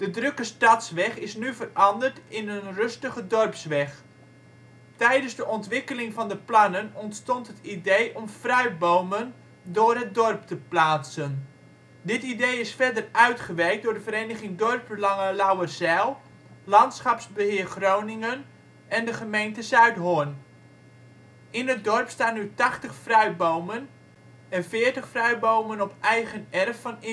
drukke stadsweg is nu veranderd in een rustige dorpsweg. Tijdens de ontwikkeling van de plannen ontstond het idee om fruitbomen door het dorp te plaatsen. Dit idee is verder uitgewerkt door de vereniging dorpsbelangen Lauwerzijl, Landschapsbeheer Groningen en de gemeente Zuidhorn. In het dorp staan nu 80 fruitbomen en 40 fruitbomen op eigen erf van inwoners. Er